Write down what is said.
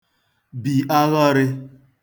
bì aghọrị̄